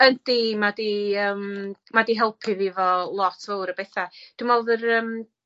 Yndi ma' 'di yym, ma' 'di helpu fi efo lot fwwr o betha'. Dwi me'wl odd yr yym